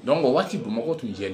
Dɔn waati don tun cɛ